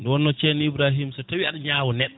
nde wonno ceerno Ibrahima so tawi aɗa ñawa neɗɗo